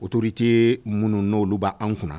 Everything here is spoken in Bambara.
Autorités n'olu minunu n'olu b'an kunna!